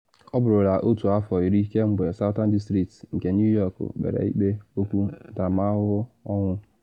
Ọ bụrụla otu afọ iri kemgbe Southern District nke New York kpere ikpe okwu ntaramahụhụ ọnwụ.